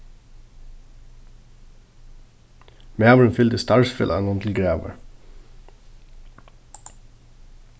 maðurin fylgdi starvsfelaganum til gravar